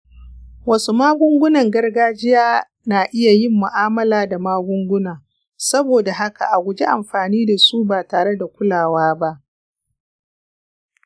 wasu magungunan gargajiya na iya yin mu’amala da magunguna, saboda haka a guji amfani da su ba tare da kulawa ba.